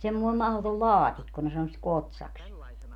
semmoinen mahdoton laatikko ne sanoi sitä kotsaksi